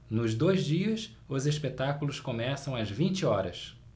nos dois dias os espetáculos começam às vinte horas